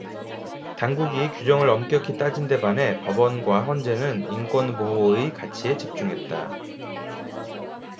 당국이 규정을 엄격히 따진 데 반해 법원과 헌재는 인권보호의 가치에 집중했다